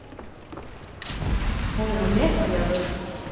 hon er ómetaliga vøkur